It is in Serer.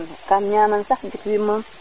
kam ñaman sax jikwimo